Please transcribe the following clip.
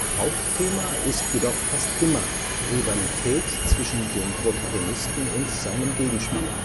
Hauptthema ist jedoch fast immer Rivalität zwischen dem Protagonisten und seinem Gegenspieler